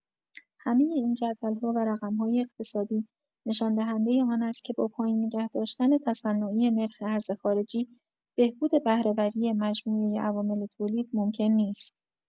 همۀ این جدول‌ها و رقم‌های اقتصادی نشان‌دهندۀ آن است که با پایین نگاه‌داشتن تصنعی نرخ ارز خارجی، بهبود بهره‌وری مجموعۀ عوامل تولید، ممکن نیست.